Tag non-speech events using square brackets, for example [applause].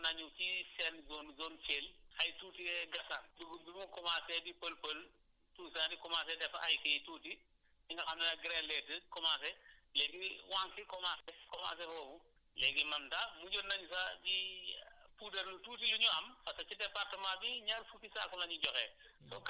commencer woon nañu si seen zone zone Thièl ay *** dugub bi mu commencer di fël-fël dugub daal di commencer def ay kii tuuti ci nga xam ne nag * commencer léegi wànq yi commencer commencer foofu léegi man ndax mujjoon nañu sax di [hesitation] puudar tuuti li ñu am parce que ci département bi ñaar fukki saako lañu joxe